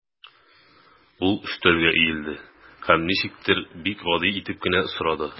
Ул өстәлгә иелде һәм ничектер бик гади итеп кенә сорады.